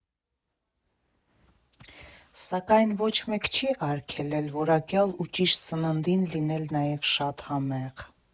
Սակայն ոչ մեկ չի արգելել որակյալ ու ճիշտ սննդին լինել նաև շատ համեղ։